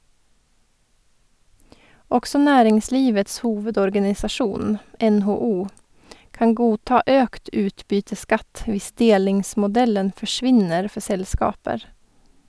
Også Næringslivets Hovedorganisasjon (NHO) kan godta økt utbytteskatt hvis delingsmodellen forsvinner for selskaper.